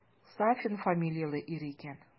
Сафин фамилияле ир икән.